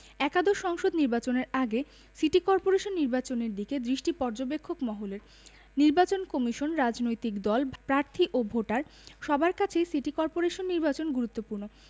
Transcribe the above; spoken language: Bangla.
একাদশ সংসদ নির্বাচনের আগে সিটি করপোরেশন নির্বাচনের দিকে দৃষ্টি পর্যবেক্ষক মহলের নির্বাচন কমিশন রাজনৈতিক দল প্রার্থী ও ভোটার সবার কাছেই সিটি করপোরেশন নির্বাচন গুরুত্বপূর্ণ